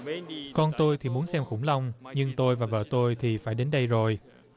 con tôi thì muốn xem khủng long nhưng tôi và vợ tôi thì phải đến đây rồi